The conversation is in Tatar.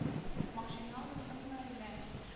Машина оныттың әллә